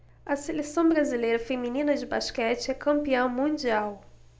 a seleção brasileira feminina de basquete é campeã mundial